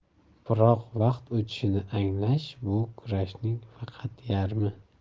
biroq vaqt o'tishini anglash bu kurashning faqat yarmi